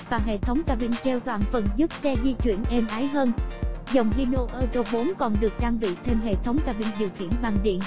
và hệ thống cabin treo toàn phần giúp xe di chuyển êm ái hơn dòng hino euro còn được trang bị thêm hệ thống cabin điều khiển bằng điện